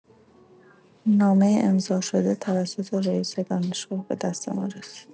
نامه امضاء‌شده توسط رئیس دانشگاه به دست ما رسید.